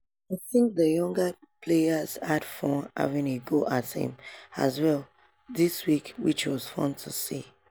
"I think the younger players had fun having a go at him, as well, this week, which was fun to see.